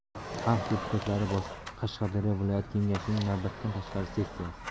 xalq deputatlari qashqadaryo viloyati kengashining navbatdan tashqari sessiyasi